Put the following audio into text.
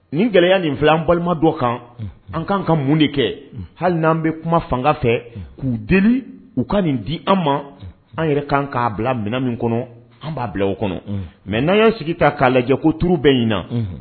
Nin gɛlɛya nin fila an balima dɔ kan an kan ka mun de kɛ hali n' anan bɛ kuma fanga fɛ k'u deli u ka nin di an ma an yɛrɛ kan k'a bila minɛn min kɔnɔ an b'a bila o kɔnɔ mɛ n'a' sigi ta k'a lajɛ ko tuuru bɛ ɲin